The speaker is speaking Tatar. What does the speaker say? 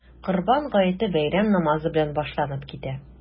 Корбан гаете бәйрәм намазы белән башланып китә.